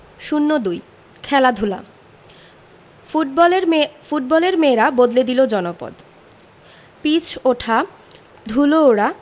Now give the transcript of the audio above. ০২ খেলাধুলা ফুটবলের মেয়ে ফুটবলের মেয়েরা বদলে দিল জনপদ পিচ ওঠা ধুলো ওড়া